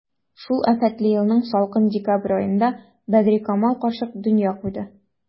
Шул афәтле елның салкын декабрь аенда Бәдрикамал карчык дөнья куйды.